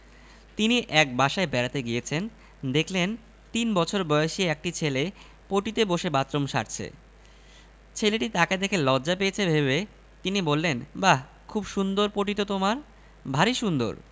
ততক্ষনে সভাপতি হাত বাড়িয়েছেন মেয়েটি হাত নামিয়ে ফেলেছে দেখে তিনিও ঈষৎ লাল হয়ে হাত নামালেন ইতিমধ্যে মেয়েটি হাত বাড়িয়েছে